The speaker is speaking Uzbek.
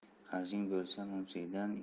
qarzing bo'lsa mumsikdan